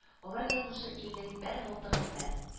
Алар язмышы илнең бәр мылтыгым бәр